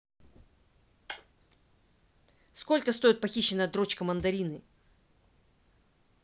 сколько стоит похищенная дрочка мандарины